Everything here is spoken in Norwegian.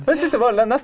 ja.